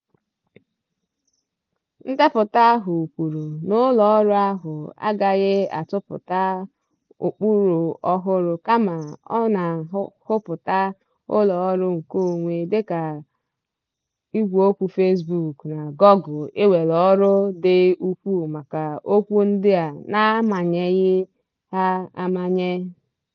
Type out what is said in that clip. Ndepụta ahụ kwuru na Ụlọọrụ ahụ agaghị atụpụta ụkpụrụ ọhụrụ, kama ọ na-ahụpụta ụlọọrụ nkeonwe dịka Facebook na Google iwere ọrụ dị ukwuu maka okwu ndị a n'amanyeghị ha amanye.